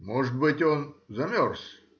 — Может быть, он замерз?